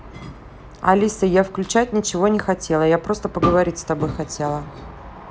алиса я включать ничего не хотела я просто поговорить с тобой хотела